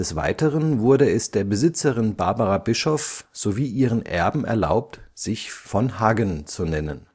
Weiteren wurde es der Besitzerin Barbara Bischof sowie ihren Erben erlaubt, sich „ von Haggen “zu nennen